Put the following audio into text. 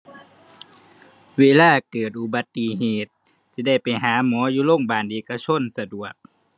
เวลาเกิดอุบัติเหตุสิได้ไปหาหมออยู่โรงบาลเอกชนสะดวก